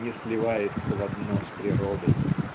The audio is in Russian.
не сливается в одно с природой.